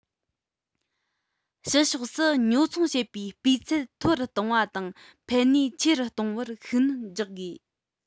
ཕྱི ཕྱོགས སུ ཉོ ཚོང བྱེད པའི སྤུས ཚད མཐོ རུ གཏོང བ དང ཕན ནུས ཆེ རུ གཏོང བར ཤུགས སྣོན རྒྱག དགོས